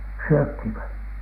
syötiin vai